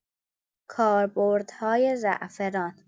کاربردهای زعفران